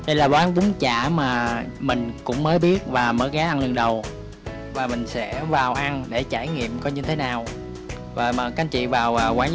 đây là quán bún chả mà mình cũng mới biết và mình mới ghé ăn lần đầu và mình sẽ vào ăn để trải nghiệm coi như thế nào và mời các anh chị vào quán với mình